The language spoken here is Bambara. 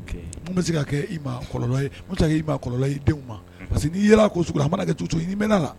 Bɛ se kɛ i ma i ma kɔlɔn denw ma que n' yɛlɛ kɛ i' bɛ la